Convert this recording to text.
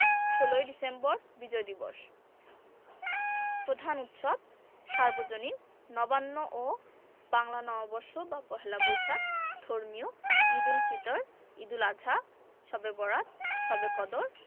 ১৬ই ডিসেম্বর বিজয় দিবস প্রধান উৎসবঃ সর্বজনীন নবান্ন ও বাংলা নববর্ষ বা পহেলা বৈশাখ ধর্মীয় ঈদুল ফিত্ র ঈদুল আযহা শবে বরআত শবে কদর